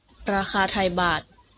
ราคาไทยบาท